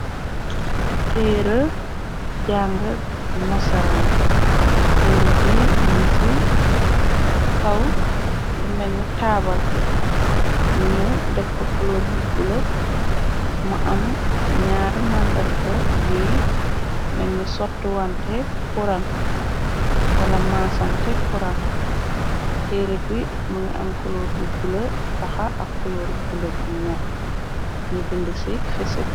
Teerë jàng nasaraan , teera bi mëng ci kaw lu menni taabal, ñu def ko culoor bu bule mu am ñaari màndarga yuy menni sottiwante kurang, wala maasante kurang. Teera bi mëng am kuloor bu bule, baxa ak kulóor bule bu ñor, ñu bind ci physic.